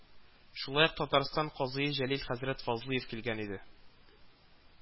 Шулай ук Татарстан казые Җәлил хәзрәт Фазлыев килгән иде